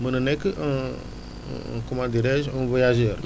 mën na nekk un comment dirai je un voyageur